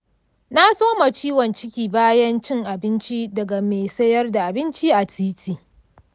na soma ciwon ciki bayan cin abinci daga mai sayar da abinci a titi.